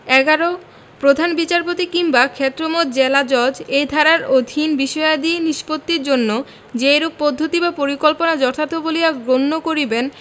১১ প্রধান বিচারপতি কিংবা ক্ষেত্রমত জেলাজজ এই ধারার অধীন বিষয়াদি নিষ্পত্তির জন্য যেইরূপ পদ্ধতি বা পরিকল্পনা যথার্থ বলিয়া গণ্য করিবেন